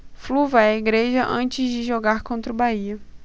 flu vai à igreja antes de jogar contra o bahia